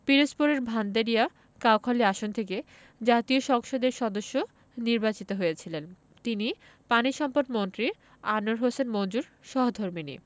পিরোজপুরের ভাণ্ডারিয়া কাউখালী আসন থেকে জাতীয় সংসদের সদস্য নির্বাচিত হয়েছিলেন তিনি পানিসম্পদমন্ত্রী আনোয়ার হোসেন মঞ্জুর সহধর্মিণী